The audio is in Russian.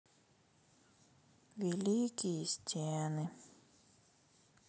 великие стены